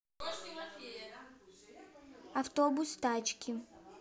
автобус тачки